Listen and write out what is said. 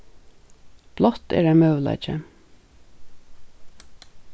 blátt er ein møguleiki